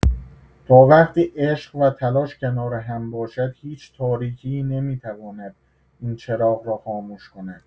تا وقتی عشق و تلاش کنار هم باشد هیچ تاریکی‌ای نمی‌تواند این چراغ را خاموش کند.